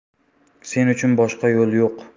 sen uchun boshqa yo'l yo'q